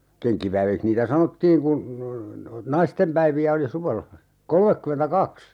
kenkkipäiviksi niitä sanottiin kun naistenpäiviä oli suvella kolmekymmentäkaksi